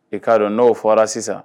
I k'a dɔn n'o fɔra sisan